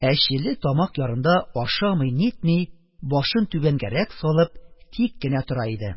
Әчеле тамак ярында ашамый-нитми, башын түбәнгәрәк салып, тик кенә тора иде.